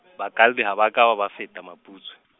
bakalli ha ba ka ba feta Maputswe.